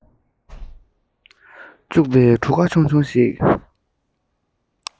འཇུག པའི གྲུ ག ཆུང ཆུང ཞིག